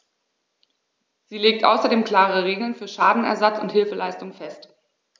Sie legt außerdem klare Regeln für Schadenersatz und Hilfeleistung fest.